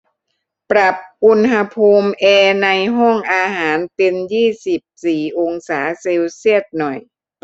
ปรับอุณหภูมิแอร์ในห้องอาหารเป็นยี่สิบสี่องศาเซลเซียสหน่อย